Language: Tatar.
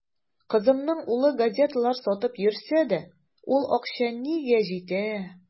Кызымның улы газеталар сатып йөрсә дә, ул акча нигә җитә.